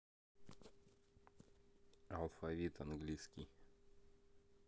алфавит английский